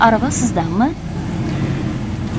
arava sizdanmi